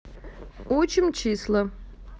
учим числа